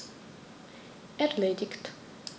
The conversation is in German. Erledigt.